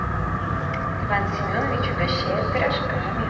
иван семенович угощает пирожками